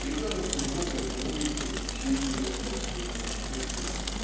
Ребенок у него повинуется течению собственных мыслей